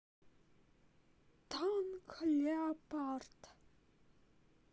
танк леопард